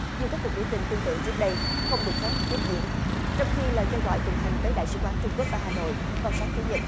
dù các cuộc biểu tình tương tự trước đây không được phép tiếp diễn trong khi lời kêu gọi tuần hành tới đại sứ quán trung quốc ở hà nội vào sáng chủ nhật